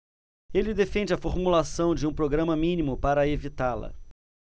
ele defende a formulação de um programa mínimo para evitá-la